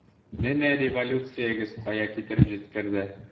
Менә революциягез кая китереп җиткерде!